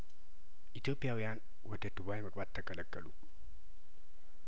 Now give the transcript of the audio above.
ኢትዮፕያዊያን ወደ ዱባይመግባት ተከለከሉ